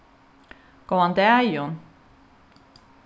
góðan dagin